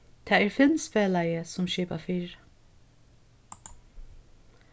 tað er filmsfelagið sum skipar fyri